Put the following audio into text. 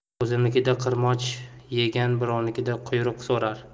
o'zinikida qirmoch yegan birovnikida quyruq so'rar